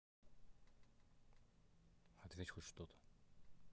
ответь хоть что то